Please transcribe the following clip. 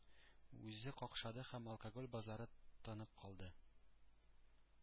Үзе какшады һәм алкоголь базары тынып калды.